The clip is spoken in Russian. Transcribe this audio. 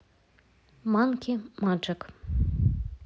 манки маджек